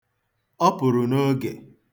Ọ pụrụ n'oge.